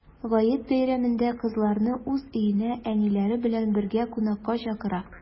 Гает бәйрәмендә кызларны уз өенә әниләре белән бергә кунакка чакыра.